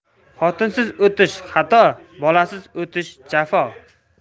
xotinsiz o'tish xato bolasiz o'tish jafo